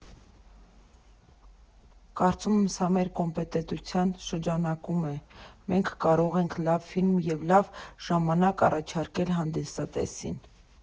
Կարծում եմ, սա մեր կոմպետենտության շրջանակում է, մենք կարող ենք լավ ֆիլմ և լավ ժամանց առաջարկել հանդիսատեսին։